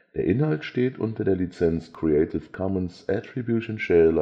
Inhalt steht unter der Lizenz Creative Commons Attribution Share